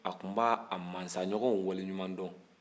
a tun b'a masaɲɔgɔnw waleɲumandɔn